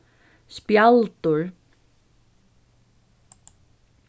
spjaldur